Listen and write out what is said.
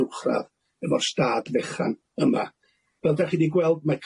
uwchradd efo'r stad fechan yma fel 'dach chi 'di gweld mae